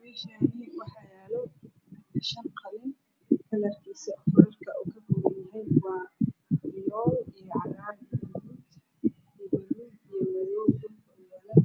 Meeshaani waxaa yaalo shan qalin kalarka uu ka koobyahay viyool cagaar huruud buluug madow meesha uu yaalana